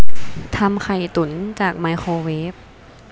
ทำไข่ตุ๋นจากไมโครเวฟ